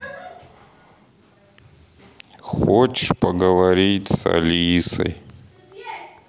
хочешь поговорить с алисой